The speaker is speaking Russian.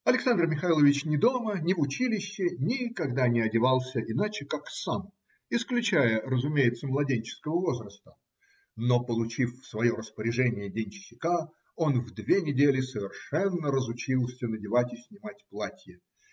Александр Михайлович ни дома, ни в училище никогда не одевался иначе, как сам (исключая, разумеется, младенческого возраста), но получив в свое распоряжение денщика, он в две недели совершенно разучился надевать и снимать платье.